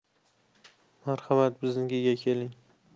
marhamat biznikiga keling